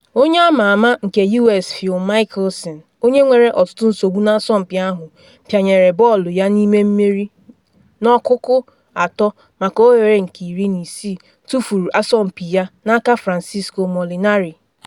Onye ama ama nke US Phil Mickelson, onye nwere ọtụtụ nsogbu n’asọmpi ahụ, pianyere bọọlụ ya n’ime mmiri na ọkụkụ-3 maka oghere nke 16, tufuru asọmpi ya n’aka Francesco Molinari.